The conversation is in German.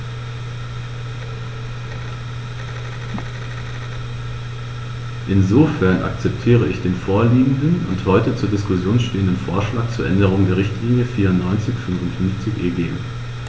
Insofern akzeptiere ich den vorliegenden und heute zur Diskussion stehenden Vorschlag zur Änderung der Richtlinie 94/55/EG.